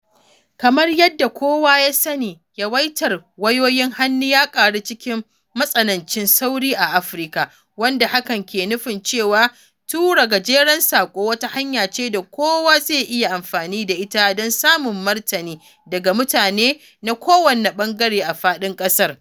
Kamar yadda kowa ya sani, yawaitar wayoyin hannu ya ƙaru cikin matsanancin sauri a Afirka, wanda hakan ke nufin cewa tura gajeren saƙo wata hanya ce da kowa zai iya amfani da ita don samun martani daga mutane na kowane ɓangare a faɗin ƙasar.